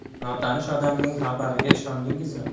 notanish odamning xabariga ishondingizmi